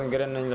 jërëjëf